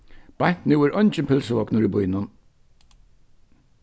beint nú er eingin pylsuvognur í býnum